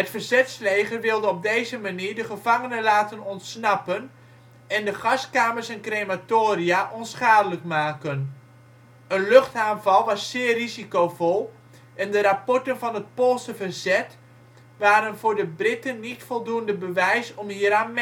verzetsleger wilde op deze manier de gevangenen laten ontsnappen en de gaskamers en crematoria onschadelijk maken. Een luchtaanval was zeer risicovol en de rapporten van het Poolse verzet waren voor de Britten niet voldoende bewijs om hieraan